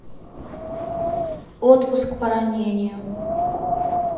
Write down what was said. отпуск по ранению